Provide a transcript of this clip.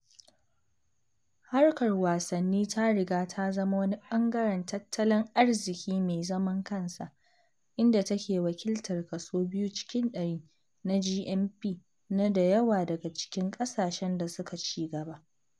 Harkar wasanni ta riga ta zama wani ɓangaren tattalin arziki mai zaman kansa, inda take wakiltar kaso 2% na GNP na da yawa daga cikin ƙasashen da suka ci gaba.